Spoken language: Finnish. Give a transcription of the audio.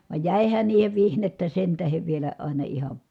vaan jäihän niihin vihnettä sen tähden vielä aina ihan